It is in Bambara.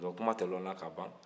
donc kuma tɛ dɔnna ka ban